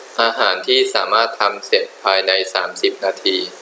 อาหารที่สามารถทำเสร็จภายในสามสิบนาที